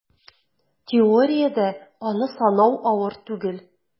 Теориядә аны санау авыр түгел: